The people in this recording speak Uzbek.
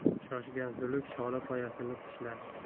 shoshgan zuluk sholi poyasini tishlar